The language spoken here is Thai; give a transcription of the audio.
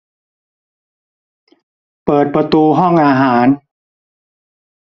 เปิดประตูห้องอาหาร